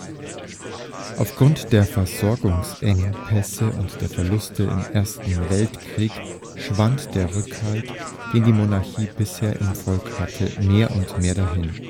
Aufgrund der Versorgungsengpässe und der Verluste im Ersten Weltkrieg schwand der Rückhalt, den die Monarchie bisher im Volk hatte, mehr und mehr dahin